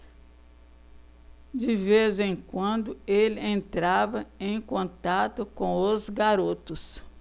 de vez em quando ele entrava em contato com os garotos